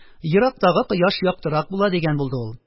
– ерактагы кояш яктырак була, – дигән булды ул